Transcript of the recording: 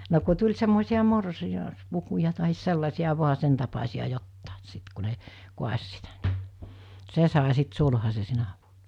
no kun tuli semmoisia - morsiuspukuja tai sellaisia vain sen tapaisia jotakin sitten kun ne kaatoi sitä niin se sai sitten sulhasen sinä vuonna